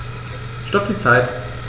Stopp die Zeit